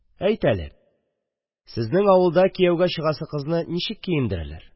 Әйт әле: сезнең авылда кияүгә чыгасы кызны ничек киендерәләр?..